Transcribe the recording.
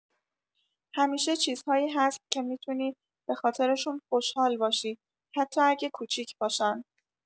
همیشه چیزهایی هست که می‌تونی به خاطرشون خوشحال باشی، حتی اگه کوچیک باشن.